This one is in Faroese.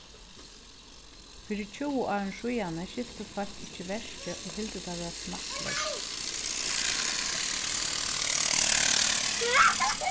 fyri tjúgu árum síðani skiltu fólk ikki verkið og hildu tað vera smakkleyst